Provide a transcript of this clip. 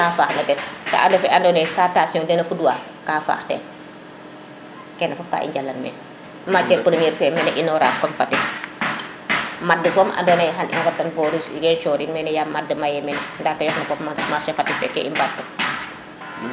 ka faax na ten te ref o xe ando naye tension um ka fud wa ka faax ten kene fop ka i njalan men matiere premier mene unora kam Fatick mad soom ando naye xa i ŋotan bo zinginchor yin mene yin ym madd maye meen nda ke yoq na fop mom marché fatick feke i ɗantan